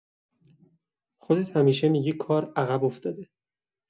خودت همیشه می‌گی کار عقب‌افتاده.